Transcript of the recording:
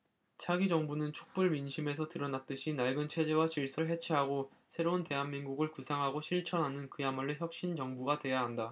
차기 정부는 촛불 민심에서 드러났듯이 낡은 체제와 질서를 해체하고 새로운 대한민국을 구상하고 실천하는 그야말로 혁신 정부가 돼야 한다